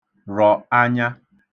rọ̀ anya